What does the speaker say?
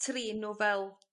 trin nw fel